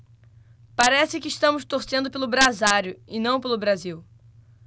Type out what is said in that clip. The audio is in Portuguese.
parece que estamos torcendo pelo brasário e não pelo brasil